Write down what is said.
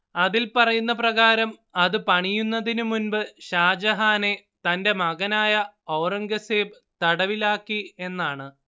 അതിൽ പറയുന്ന പ്രകാരം അത് പണിയുന്നതിനു മുൻപ് ഷാജഹാനെ തന്റെ മകനായ ഔറംഗസേബ് തടവിലാക്കി എന്നാണ്